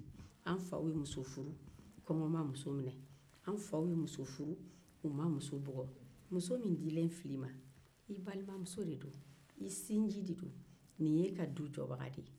an faw ye muso furu u ma muso bugɔ muso min dilen filɛ i ma i balimamuso don nin y'e ka du jɔbaga de ye